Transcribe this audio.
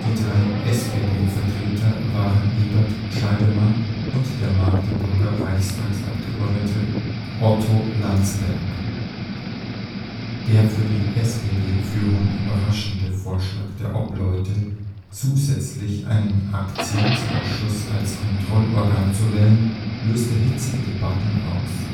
drei SPD-Vertreter waren Ebert, Scheidemann und der Magdeburger Reichstagsabgeordnete Otto Landsberg. Ausweiskarte Emil Barths als Mitglied des Vollzugsrats des Arbeiter - und Soldatenrats, unterschrieben von Richard Müller und Brutus Molkenbuhr als Vorsitzenden des Rates Der für die SPD-Führung überraschende Vorschlag der Obleute, zusätzlich einen Aktionsausschuss als Kontrollorgan zu wählen, löste hitzige Debatten aus